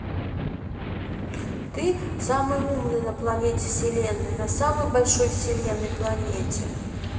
ты самая умная на планете вселенная на самом большой вселенной планете